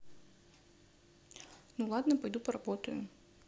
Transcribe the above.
ну ладно пойду поработаю